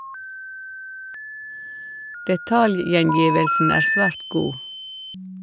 Detaljgjengivelsen er svært god.